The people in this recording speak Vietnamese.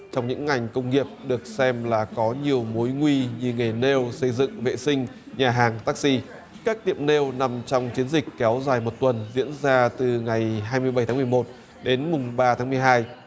trong những ngành công nghiệp được xem là có nhiều mối nguy gì nghề nêu xây dựng vệ sinh nhà hàng tắc xi các tiệm nêu nằm trong chiến dịch kéo dài một tuần diễn ra từ ngày hai mươi bảy tháng mười một đến mùng ba tháng mười hai